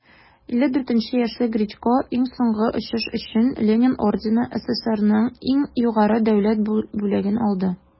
54 яшьлек гречко иң соңгы очыш өчен ленин ордены - сссрның иң югары дәүләт бүләген алды.